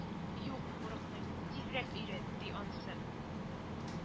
- юк, курыкмыйм, тизрәк өйрәт! - ди анысы